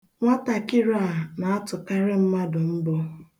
Nwatakịrị a na-atụkarị mmadụ mbọ.